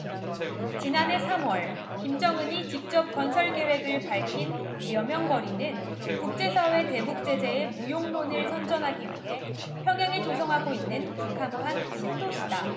지난해 삼 월 김정은이 직접 건설 계획을 밝힌 려명거리는 국제사회 대북 제재의 무용론을 선전하기 위해 평양에 조성하고 있는 북한판 신도시다